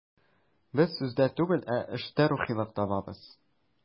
Без сүздә түгел, ә эштә рухилык табабыз.